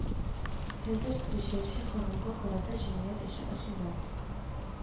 Хәзер ришвәтче ханымга карата җинаять эше ачылган